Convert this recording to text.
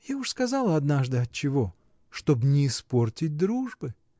— Я уж сказала однажды отчего: чтоб не испортить дружбы.